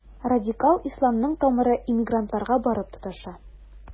Радикаль исламның тамыры иммигрантларга барып тоташа.